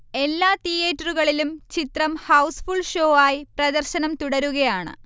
എല്ലാ തീയറ്ററുകളിലും ചിത്രം ഹൗസ്ഫുൾ ഷോ ആയി പ്രദർശനം തുടരുകയാണ്